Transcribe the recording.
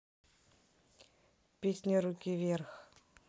песни руки вверх